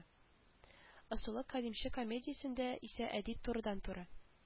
Ысулы кадимче комедиясендә исә әдип турыдан-туры